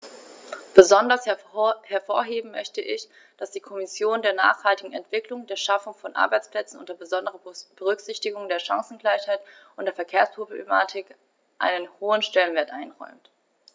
Besonders hervorheben möchte ich, dass die Kommission der nachhaltigen Entwicklung, der Schaffung von Arbeitsplätzen unter besonderer Berücksichtigung der Chancengleichheit und der Verkehrsproblematik einen hohen Stellenwert einräumt.